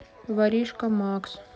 воришка макс